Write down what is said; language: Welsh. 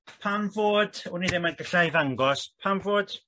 pan fod wni ddim os gallai ddangos pan fod